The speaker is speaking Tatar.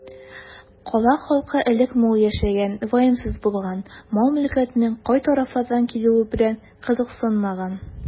Кала халкы элек мул яшәгән, ваемсыз булган, мал-мөлкәтнең кай тарафлардан килүе белән кызыксынмаган.